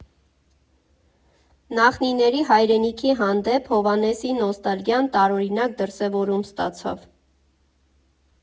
Նախնիների հայրենիքի հանդեպ Հովհաննեսի նոստալգիան տարօրինակ դրսևորում ստացավ.